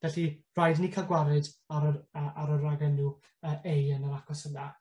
Felly rhaid i ni ca'l gwared ar yr a- ar y ragenw yy ei yna acos hwnna.